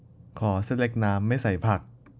ขอเส้นเล็กน้ำไม่ผัก